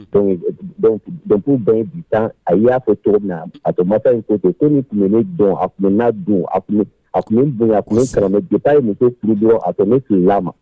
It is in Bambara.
Donc dans fil donc du temps a ye'a fɔ cogo min na, a mansaw ko ten ko ni tun bɛ ne don , a tun b n ladon , a tun a tun bɛ n bonya , kosɛbɛ, a tun bɛ karaama depuis ye muso furu dɔrnw a ko ne fili l'a ma.